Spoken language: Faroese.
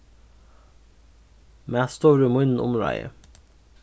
matstovur í mínum umráði